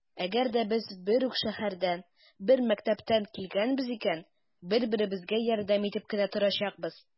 Әгәр дә без бер үк шәһәрдән, бер мәктәптән килгәнбез икән, бер-беребезгә ярдәм итеп кенә торачакбыз.